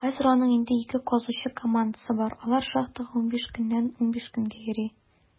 Хәзер аның инде ике казучы командасы бар; алар шахтага 15 көннән 15 көнгә йөри.